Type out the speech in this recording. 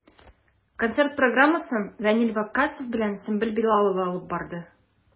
Концерт программасын Фәнил Ваккасов белән Сөмбел Билалова алып барды.